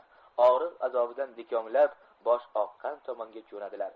og'riq azobidan dikonglab bosh oqqan tomonga jo'nadilar